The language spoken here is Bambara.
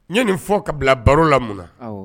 N ye nin fɔ ka bila baro la mun na? Awɔ.